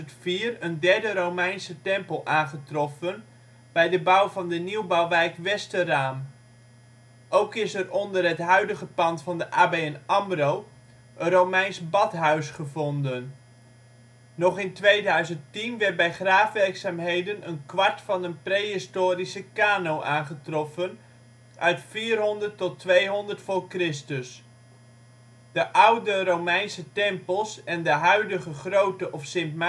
er in 2004 een derde Romeinse tempel aangetroffen bij de bouw van de nieuwbouwwijk Westeraam. Ook is er onder het huidige pand van de ABN AMRO een Romeins badhuis gevonden. Nog in 2010 werd bij graafwerkzaamheden een kwart van een prehistorische kano aangetroffen uit 400 tot 200 voor Christus. De oude Romeinse tempels en de huidige Grote of St. Maartenskerk